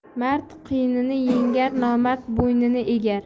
mard qiyinni yengar nomard bo'ynini egar